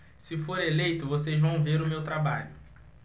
se for eleito vocês vão ver o meu trabalho